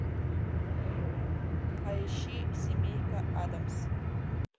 поищи семейка аддамс